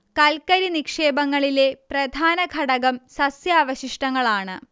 കൽക്കരി നിക്ഷേപങ്ങളിലെ പ്രധാന ഘടകം സസ്യാവശിഷ്ടങ്ങളാണ്